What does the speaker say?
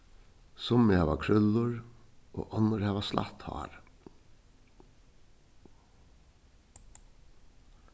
summi hava krúllur og onnur hava slætt hár